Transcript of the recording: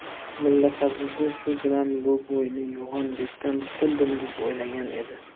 mulla fazliddin shu bilan bu bo'yni yo'g'on bekdan qutuldim deb o'ylagan edi